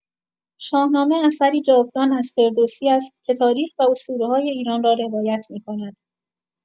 شاهنامه اثری جاودان از فردوسی است که تاریخ و اسطوره‌های ایران را روایت می‌کند.